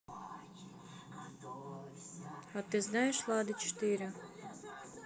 а ты знаешь лада четыре